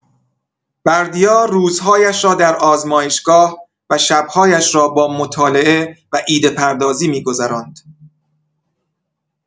بردیا روزهایش را در آزمایشگاه و شب‌هایش را با مطالعه و ایده‌پردازی می‌گذراند.